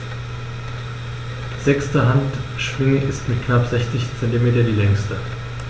Die sechste Handschwinge ist mit knapp 60 cm die längste.